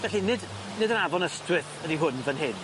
Felly nid nid yr Afon Ystwyth ydi hwn fan hyn.